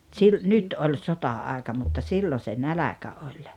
- nyt oli sota-aika mutta silloin se nälkä oli